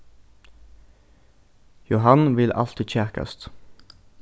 johan vil altíð kjakast